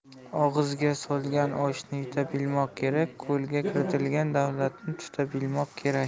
og'izga solgan oshni yuta bilmoq kerak qo'lga kiritgan davlatni tuta bilmoq kerak